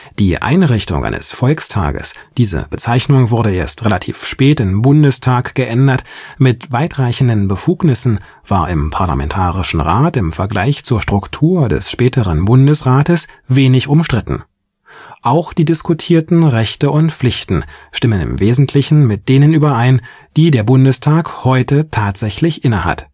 Die Einrichtung eines „ Volkstages “, diese Bezeichnung wurde erst relativ spät in „ Bundestag “geändert, mit weit reichenden Befugnissen war im Parlamentarischen Rat im Vergleich zur Struktur des späteren Bundesrates wenig umstritten. Auch die diskutierten Rechte und Pflichten stimmen im Wesentlichen mit denen überein, die der Bundestag heute tatsächlich innehat